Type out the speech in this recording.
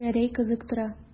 Гәрәй кызыктыра.